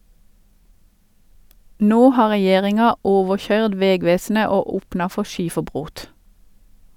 Nå har regjeringa overkøyrd vegvesenet og opna for skiferbrot.